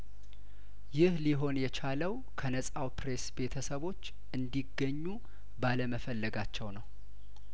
ይህ ሊሆን የቻለው ከነጻው ፕሬስ ቤተሰቦች እንዲገኙ ባለመፈለጋቸው ነው